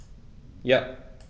Ja.